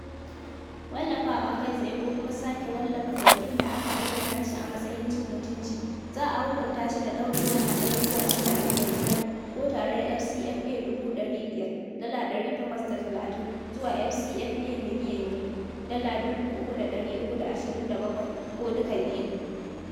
Wallafawa kai tsaye ko kuma sake wallafa zargi da aka ayyana shi a matsayin cin mutunci, za a hukunta shi da ɗaurin wata ɗaya (01) zuwa shida (06) a gidan yari, ko tarar FCFA 500,000 (dala 830) zuwa FCFA 2,000,000 (dala 3,327), ko duka biyun.